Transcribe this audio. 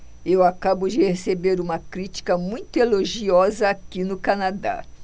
eu acabo de receber uma crítica muito elogiosa aqui no canadá